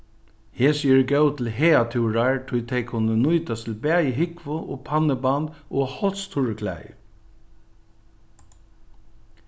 hesi eru góð til hagatúrar tí tey kunnu nýtast til bæði húgvu og pannuband og hálsturriklæði